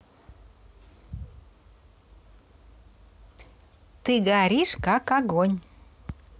ты горишь ка огонь